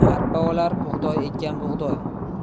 olar bug'doy ekkan bug'doy